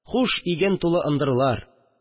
Хуш, иген тулы ындырлар